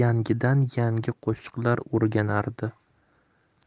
yangidan yangi qo'shiqlar o'rganardi